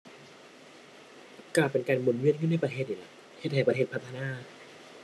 ก็เป็นการหมุนเวียนอยู่ในประเทศนี่ล่ะ เฮ็ดให้ประเทศพัฒนา